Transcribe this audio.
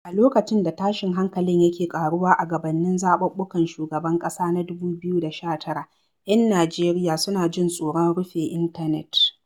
A lokacin da tashin hankalin yake ƙaruwa a gabanin zaɓuɓɓukan shugaban ƙasa na 2019, 'yan Najeriya suna jin tsoron rufe intanet.